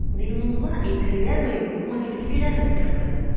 Миңнулла әйтергәме-юкмы дип икеләнеп калды.